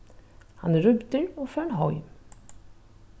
hann er rýmdur og farin heim